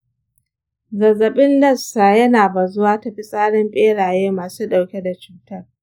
zazzafin lassa yana bazuwa ta fitsarin beraye masu dauke da cutar.